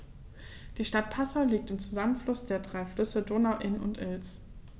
Die Stadt Passau liegt am Zusammenfluss der drei Flüsse Donau, Inn und Ilz.